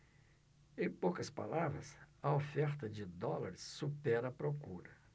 em poucas palavras a oferta de dólares supera a procura